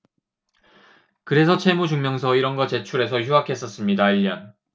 그래서 채무증명서 이런 거 제출해서 휴학했었습니다 일 년